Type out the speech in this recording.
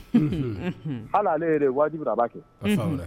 Ala ale waatijibi bɛ' kɛ